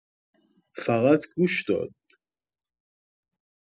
فقط گوش داد.